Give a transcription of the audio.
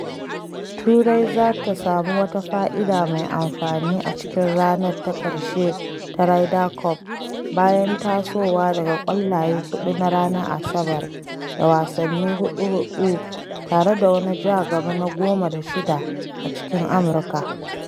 Turai za ta sami wata fa’ida mai amfani a cikin ranar ta ƙarshe ta Ryder Cup bayan tasowa daga ƙwallaye huɗu na Asabar da wasannin huɗu-huɗu tare da wani ja gaba na 10 da 6 a cikin Amurka.